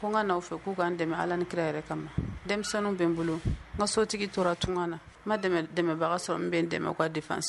Ko ka' fɛ k'u ka dɛmɛ ala ni kira yɛrɛ kama denmisɛnninw bɛ n bolo n ka sotigi tora tun na n dɛmɛbaga ka sɔrɔ n bɛ dɛmɛ ka de fan